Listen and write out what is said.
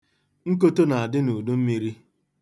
Nkoto na-adị n'udummiri.